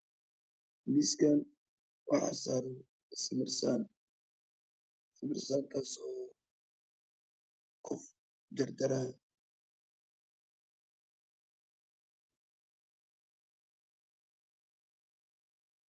Amiskan waxa saran sibil saan qof oo jar jarayo